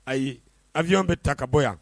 Ayi avion be ta ka bɔ yan.